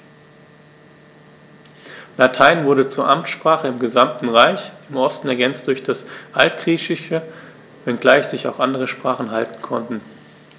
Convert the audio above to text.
Latein wurde zur Amtssprache im gesamten Reich (im Osten ergänzt durch das Altgriechische), wenngleich sich auch andere Sprachen halten konnten.